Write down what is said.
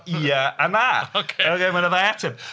Ia a na... ocê. ...ocê ma' 'na ddau ateb .